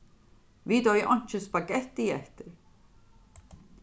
vit eiga einki spagetti eftir